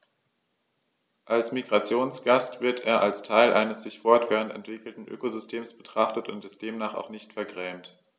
Als Migrationsgast wird er als Teil eines sich fortwährend entwickelnden Ökosystems betrachtet und demnach auch nicht vergrämt.